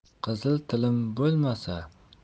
qizil tilim bo'lmasa